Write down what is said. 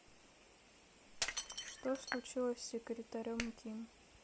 что случилось с секретарем ким